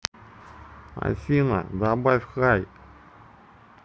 афина добавь хай